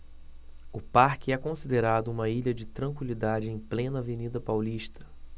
o parque é considerado uma ilha de tranquilidade em plena avenida paulista